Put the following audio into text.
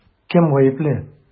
Кем гаепле?